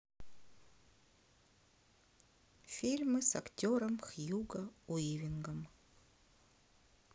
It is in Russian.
фильмы с актером хьюго уивингом